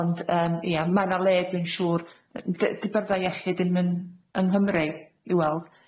Ond yym ia, ma' 'na le dwi'n siŵr. Yy dy- dy byrddau iechyd ddim yn yng Nghymru i weld